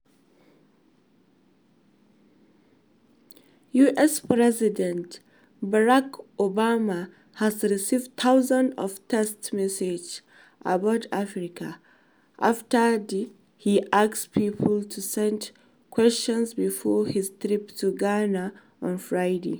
US President Barack Obama has received thousands of text messages about Africa after he asked people to send questions before his trip to Ghana on Friday.